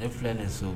E filɛ nin ye so